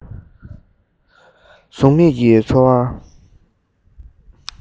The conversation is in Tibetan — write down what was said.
གཟུགས མེད ཀྱི ཚོར བ